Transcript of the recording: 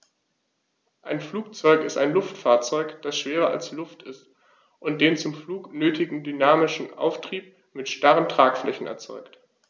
Ein Flugzeug ist ein Luftfahrzeug, das schwerer als Luft ist und den zum Flug nötigen dynamischen Auftrieb mit starren Tragflächen erzeugt.